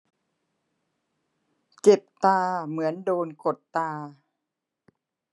เจ็บตาเหมือนโดนกดตา